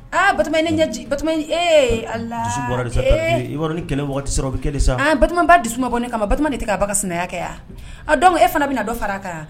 Aa Batɔɔma ne ɲɛji Batɔɔma ee Ala ee dusu bɔra de sa i b'a dɔn ni kɛlɛ waati sera o bɛ kɛ de sa, Batɔɔma b'a dusu labɔ ne kama Batɔɔma b'a ba ka sinaya de kɛ wa, a donc e fana bɛna dɔ fara a kan